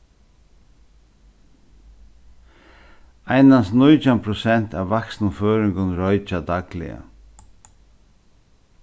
einans nítjan prosent av vaksnum føroyingum roykja dagliga